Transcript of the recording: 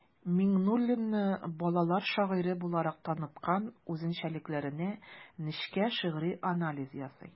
Миңнуллинны балалар шагыйре буларак таныткан үзенчәлекләренә нечкә шигъри анализ ясый.